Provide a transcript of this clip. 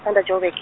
under Jo'burg.